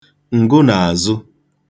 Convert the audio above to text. ǹgụnààzụ